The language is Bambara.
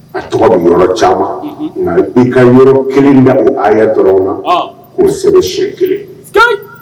A tɔgɔ bɛ yɔrɔ caman nka i ka yɔrɔ 1 da o haya dɔrɔn na k'o sɛbɛn siyɛn 1.